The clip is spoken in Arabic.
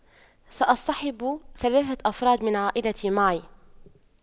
سأصطحب ثلاثة أفراد من عائلتي معي